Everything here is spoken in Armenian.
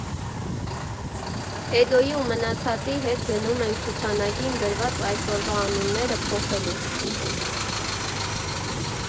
Էդոյի ու մնացածի հետ գնում ենք ցուցանակին գրված այսօրվա անունները փոխելու։